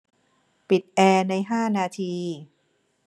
ปิดแอร์ในห้านาที